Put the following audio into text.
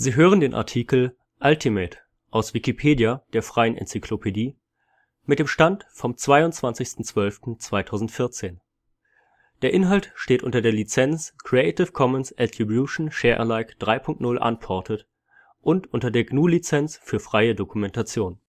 hören den Artikel Ultimate, aus Wikipedia, der freien Enzyklopädie. Mit dem Stand vom Der Inhalt steht unter der Lizenz Creative Commons Attribution Share Alike 3 Punkt 0 Unported und unter der GNU Lizenz für freie Dokumentation